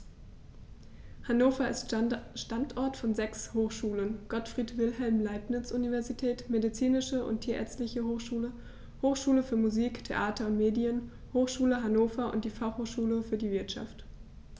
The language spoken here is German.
Hannover ist Standort von sechs Hochschulen: Gottfried Wilhelm Leibniz Universität, Medizinische und Tierärztliche Hochschule, Hochschule für Musik, Theater und Medien, Hochschule Hannover und die Fachhochschule für die Wirtschaft.